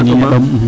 a ñiña ɗom